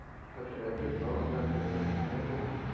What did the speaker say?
Хәтерләтеп – тагын да кыяфәтсезләнеп